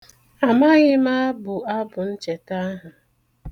Amaghị m abụ abụncheta ahụ.